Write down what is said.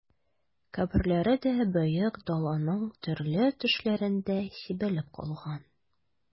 Каберләре дә Бөек Даланың төрле төшләрендә сибелеп калган...